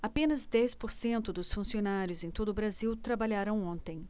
apenas dez por cento dos funcionários em todo brasil trabalharam ontem